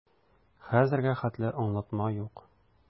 Хәзергә хәтле аңлатма юк.